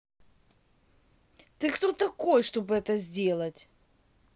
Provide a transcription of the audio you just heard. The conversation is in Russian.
ты кто такой чтобы это сделать